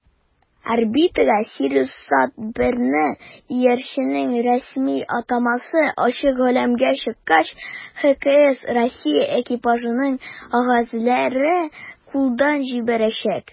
Орбитага "СириусСат-1"ны (иярченнең рәсми атамасы) ачык галәмгә чыккач ХКС Россия экипажының әгъзалары кулдан җибәрәчәк.